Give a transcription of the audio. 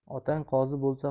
otang qozi bo'lsa